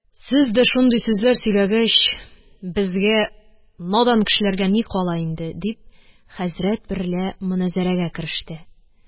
Сез дә шундый сүзләр сөйләгәч, безгә, надан кешеләргә, ни кала инде, – дип, хәзрәт берлә моназарәгә кереште.